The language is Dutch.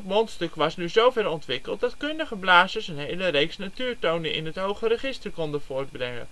mondstuk was nu zover ontwikkeld dat kundige blazers een hele reeks natuurtonen in het hoge register konden voortbrengen.